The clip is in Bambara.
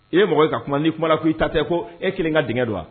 E mɔgɔ ka kuma ni kumala k'i ta tɛ ko e kelen ka d don wa